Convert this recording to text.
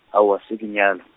aowa, se ke nyalwa.